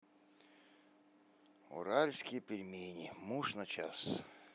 уральские пельмени муж на час